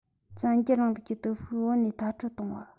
བཙན རྒྱལ རིང ལུགས ཀྱི སྟོབས ཤུགས བོད ནས མཐའ སྐྲོད གཏོང བ